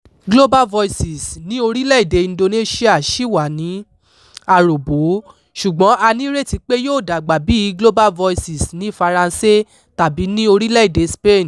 Global Voices ní orílẹ̀-èdè Indonesia sì wà ní aròbó ṣùgbọ́n a ní ìrètí pé yóò dàgbà bíi Global Voices ní Faransé tàbí ní orílẹ̀ èdè Spain.